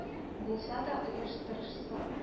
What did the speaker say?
Булса да оештырса